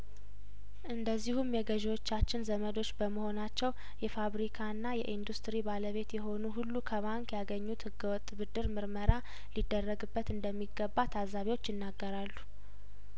እንደ ዚሁም የገዢዎቻችን ዘመዶች በመሆ ናቸው የፋብሪካና የኢንዱስትሪ ባለቤት የሆኑ ሁሉ ከባንክ ያገኙት ህገ ወጥ ብድር ምርመራ ሊደረግበት እንደሚገባ ታዛቢዎች ይናገራሉ